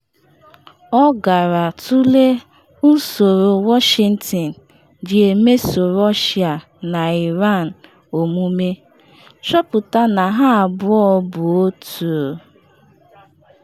Ọ gara tulee usoro Washington ji emeso Russia na Iran omume, chọpụta na ha abụọ bụ otu.